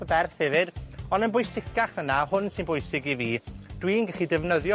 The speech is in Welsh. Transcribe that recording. y berth hefyd. Ond yn bwysicach na 'na, hwn sy'n bwysig i fi, dwi'n gallu defnyddio